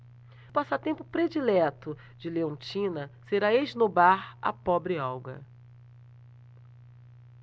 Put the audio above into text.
o passatempo predileto de leontina será esnobar a pobre olga